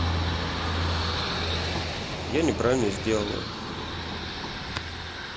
я неправильно сделала